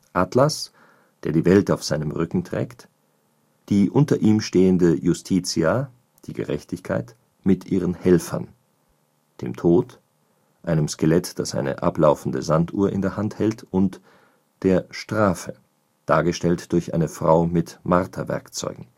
Atlas, der die Welt auf seinem Rücken trägt; die unter ihm stehende Justitia (die Gerechtigkeit) mit ihren Helfern: dem Tod, einem Skelett, das eine ablaufende Sanduhr in der Hand hält und die Strafe, dargestellt durch eine Frau mit Marterwerkzeugen